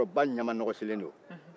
o y' a sɔrɔ u ba ɲɛmanɔgɔsilen don